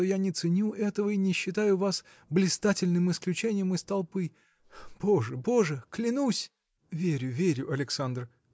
что я не ценю этого и не считаю вас блистательным исключением из толпы? Боже, боже! клянусь. – Верю, верю, Александр!